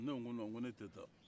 ne ko non ne tɛ taa